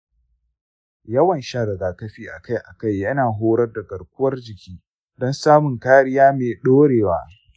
yawan shan rigakafi akai-akai yana horar da garkuwar jiki don samun kariya mai dorewa.